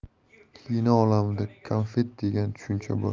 kino olamida 'konfet' degan tushuncha bor